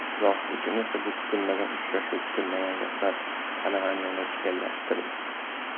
zohid uchun esa bu kutilmagan uchrashuv kutilmagan gaplar kalavani yana chigallashtirdi